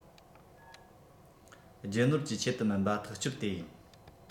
རྒྱུ ནོར གྱི ཆེད དུ མིན པ ཐག གཅོད དེ ཡིན